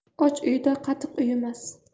och uyda qatiq uyumas